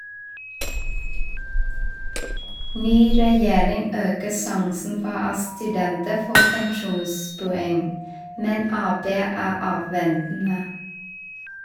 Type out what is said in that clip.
Ny regjering øker sjansen for at studenter får pensjonspoeng, men Ap er avventende.